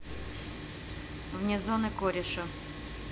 вне зоны кореша